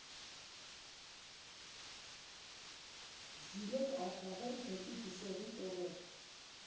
Զիլով արշավել դեպի Դսեղի ծովեր։